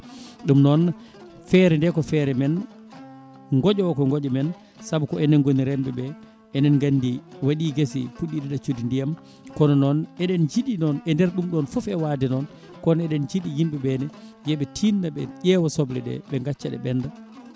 ɗum noon feere nde ko feere men gooƴa o ko gooƴa men saabu ko enen gooni remɓeɓe enen gandi waɗi gasi puɗɗiɗo ɗaccude ndiyam kono noon eɗen jiiɗi noon e nder ɗum ɗon foof e waade noon kono eɗen jiiɗi yimɓeɓene yooɓe tinno ɓe ƴeewa sobleɗe ɓe gacca ɗe ɓenda